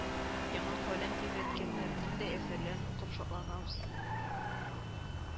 Яңа каләм тибрәткәннәрнең дә әсәрләрен укып шатланабыз